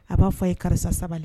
A b'a fɔ a ye karisa sabali